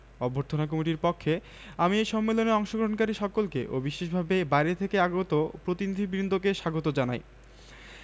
হাসবোনা লিসা বললো তুমি যে আমাকে একবারও গোসল না করিয়ে দুবারই মোনাকে গোসল করিয়ে এনেছো